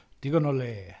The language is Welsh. Digon o le.